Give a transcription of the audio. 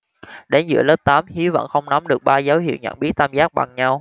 đến giữa lớp tám hiếu vẫn không nắm được ba dấu hiệu nhận biết tam giác bằng nhau